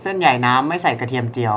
เส้นใหญ่น้ำไม่ใส่กระเทียมเจียว